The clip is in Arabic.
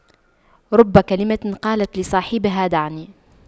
رب كلمة قالت لصاحبها دعني